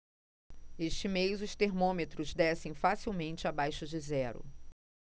este mês os termômetros descem facilmente abaixo de zero